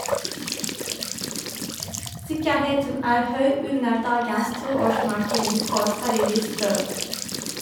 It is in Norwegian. Sikkerheten er høy under dagens toårsmarkering for Hariris død.